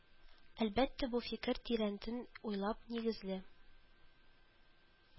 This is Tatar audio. Әлбәттә, бу фикер тирәнтен уйлап, нигезле